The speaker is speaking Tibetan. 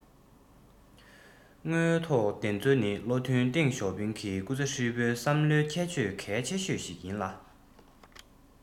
དངོས ཐོག བདེན འཚོལ ནི བློ མཐུན ཏེང ཞའོ ཕིང གི སྐུ ཚེ ཧྲིལ པོའི བསམ བློའི ཁྱད ཆོས གལ ཆེ ཤོས ཤིག ཡིན ལ